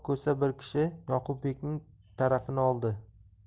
ko'sa bir kishi yoqubbekning tarafini oldi